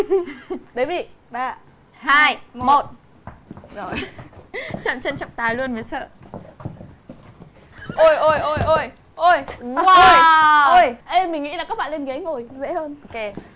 đếm đi ba hai một rồi trận chân trọng tài luôn sợ ôi ôi ôi ôi ôi ôi oa ê mình nghĩ là các bạn lên ghế ngồi dễ hơn ô kê